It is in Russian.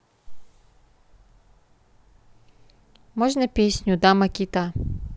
можно песню дама кита